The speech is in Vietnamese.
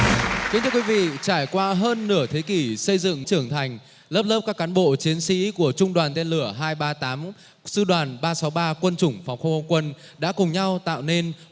kính thưa quý vị trải qua hơn nửa thế kỷ xây dựng trưởng thành lớp lớp các cán bộ chiến sĩ của trung đoàn tên lửa hai ba tám sư đoàn ba sáu ba quân chủng phòng không không quân đã cùng nhau tạo nên